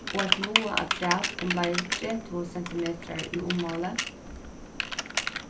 og eitt noða afturat umleið tretivu sentimetrar í ummáli